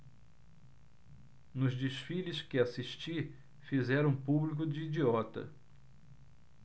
nos desfiles que assisti fizeram o público de idiota